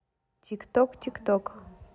тик ток тикток